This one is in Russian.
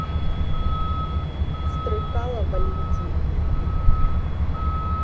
стрыкало валентин